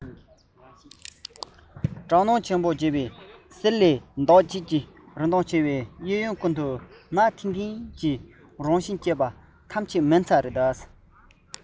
སྐྲག སྣང དུ མ བྱིན གསེར ལས ལྡབ གཅིག གིས རིན ཐང ཆེ བར གཡས གཡོན ཀུན ཏུ ནག ཤིག ཤིག གི རང བཞིན གྱི སྐྱེས པ ཐམས ཅད སྨན རྩྭ ཡིན